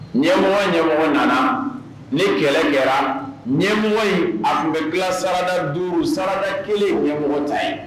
Ɲɛmɔgɔ ɲɛmɔgɔ nana ni kɛlɛ kɛra ɲɛmɔgɔ in a tun bɛ bilasada duuru sarada kelen ɲɛmɔgɔ ta ye